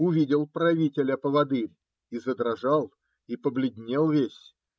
Увидел правителя поводырь - и задрожал и побледнел весь.